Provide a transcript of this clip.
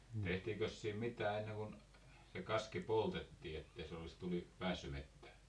tehtiinkös siinä mitään ennen kuin se kaski poltettiin että ei se olisi tuli päässyt metsään